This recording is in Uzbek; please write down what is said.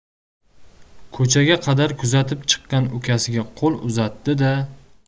ko'chaga qadar kuzatib chiqqan ukasiga qo'l uzatdi da